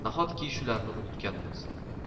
nahotki shularni unutgan bo'lsa